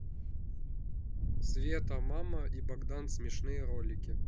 света мама и богдан смешные ролики